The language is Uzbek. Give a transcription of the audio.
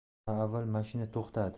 ha avval mashina to'xtadi